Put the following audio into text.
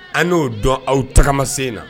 An n'o dɔn aw tagamasen in na